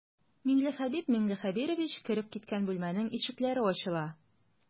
Миңлехәбиб миңлехәбирович кереп киткән бүлмәнең ишекләре ачыла.